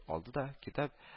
Алды да китап